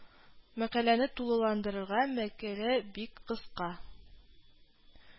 Мәкаләне тулыландырырга мәкалә бик кыска